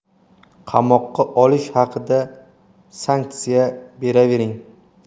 qamoqqa olish haqida sanktsiya beravering